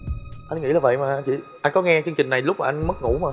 anh nghĩ là vậy mà vì anh có nghe chương trình này lúc anh mất ngủ mà